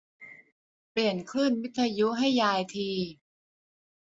เปลี่ยนคลื่นวิทยุให้ยายที